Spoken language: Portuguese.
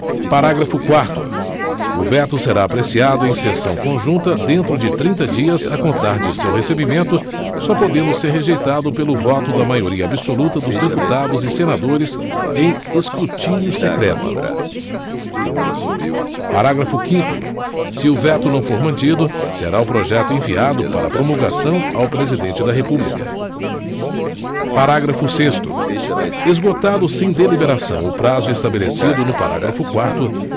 parágrafo quarto o veto será apreciado em sessão conjunta dentro de trinta dias a contar de seu recebimento só podendo ser rejeitado pelo voto da maioria absoluta dos deputados e senadores em escrutínio secreto parágrafo quinto se o veto não for mantido será o projeto enviado para promulgação ao presidente da república parágrafo sexto esgotado sem deliberação o prazo estabelecido no parágrafo quarto